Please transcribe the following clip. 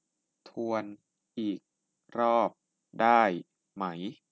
ทวนอีกรอบได้ไหม